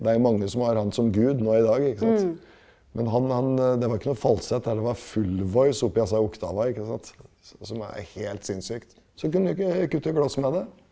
det er jo mange som har han som gud nå i dag ikke sant, men han han det var ikke noe falsett her, det var full voice oppi altså oktavene ikke sant som er helt sinnssykt, så kunne vi ikke kutte glass med det.